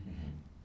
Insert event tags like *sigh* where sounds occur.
*hesitation* *hesitation*